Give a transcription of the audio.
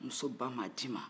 muso ba ma d'i ma